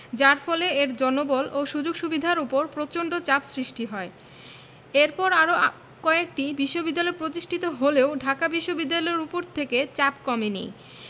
যার ফলে এর জনবল ও সুযোগ সুবিধার ওপর প্রচন্ড চাপ সৃষ্টি হয় এরপর আরও কয়েকটি বিশ্ববিদ্যালয় প্রতিষ্ঠিত হলেও ঢাকা বিশ্ববিদ্যালয়ের ওপর থেকে চাপ কমেনি